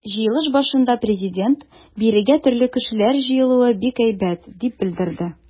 Җыелыш башында Президент: “Бирегә төрле кешеләр җыелуы бик әйбәт", - дип белдерде.